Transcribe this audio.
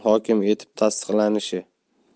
hokimi etib tasdiqlanishi